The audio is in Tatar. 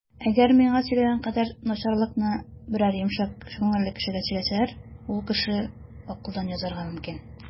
Әгәр миңа сөйләгән кадәр начарлыкны берәр йомшак күңелле кешегә сөйләсәләр, ул кеше акылдан язарга мөмкин.